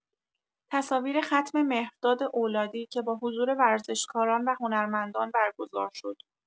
تصاویر ختم مهرداد اولادی که با حضور ورزشکاران و هنرمندان برگزار شد